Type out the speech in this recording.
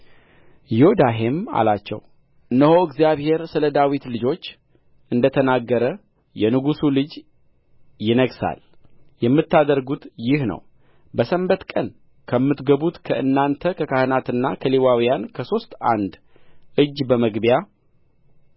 ዮዳሄም አላቸው እነሆ እግዚአብሔር ስለ ዳዊት ልጆች እንደተናገረ የንጉሡ ልጅ ይነግሣል የምታደርጉት ይህ ነው በሰንበት ቀን ከምትገቡት ከእናንተ ከካህናትና ከሌዋዊውያን ከሦስት አንድ እጅ በመግቢያ